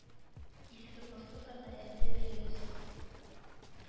Иске паспортларны әле дә бирәбез